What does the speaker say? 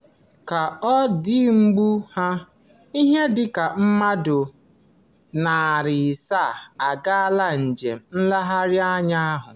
Ka ọ dị ugbu a, ihe dị ka mmadụ 500 agaala njem nlegharị anya ahụ.